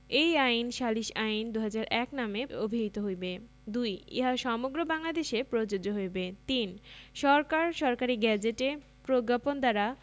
এই আইন সালিস আইন ২০০১ নামে অভিহিত হইবে ২ ইহা সমগ্র বাংলাদেশে প্রযোজ্য হইবে ৩ সরকার সরকারী গেজেটে প্রজ্ঞাপন দ্বারা